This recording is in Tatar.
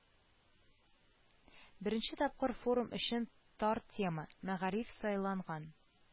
Беренче тапкыр форум өчен тар тема – мәгариф сайланган